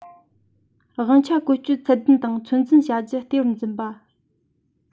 དབང ཆ བཀོལ སྤྱོད ཚད ལྡན དང ཚོད འཛིན བྱ རྒྱུ ལྟེ བར འཛིན པ